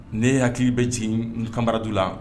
Ne hakili bɛ jigin kamabararaju la